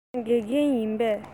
རང དགེ རྒན ཡིན པས